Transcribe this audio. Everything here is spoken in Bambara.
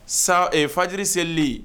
Sa ee fajjiri selieli